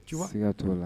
Ci tigɛ tora la